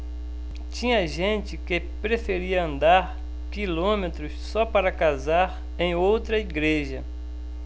tinha gente que preferia andar quilômetros só para casar em outra igreja